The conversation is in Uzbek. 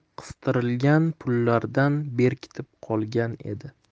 qistirilgan pullardan berkitib qolgan edi